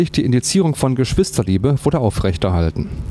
die Indizierung von „ Geschwisterliebe “wurde aufrecht erhalten